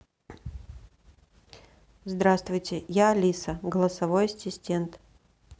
здравствуйте я алиса голосовой ассистент